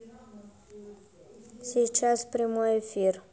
сейчас прямой эфир